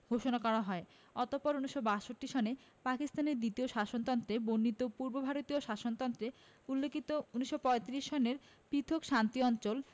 ঘোষণা করা হয়্ অতপর ১৯৬২ সনে পাকিস্তানের দ্বিতীয় শাসনতন্ত্রে বর্ণিত পূর্বে ভারতীয় শাসনতন্ত্রে উল্লিখিত ১৯৩৫ সনের পৃথক শাস্তি অঞ্চল